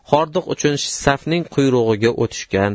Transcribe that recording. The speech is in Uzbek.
hordiq uchun safning quyrug'iga o'tishgan